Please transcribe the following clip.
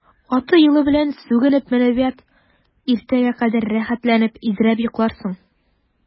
Аты-юлы белән сүгенеп менеп ят, иртәнгә кадәр рәхәтләнеп изрәп йокларсың.